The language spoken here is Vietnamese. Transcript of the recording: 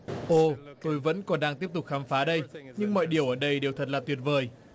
ồ tôi vẫn còn đang tiếp tục khám phá đây nhưng mọi điều ở đầy đều thật là tuyệt vời